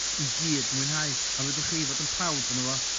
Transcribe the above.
i gyd mwynhau a fedrwch chi fod yn proud yno fo.